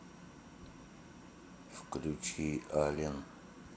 включи ален